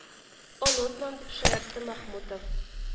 —онытмам,—дип шаяртты мәхмүтов